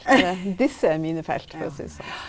ja.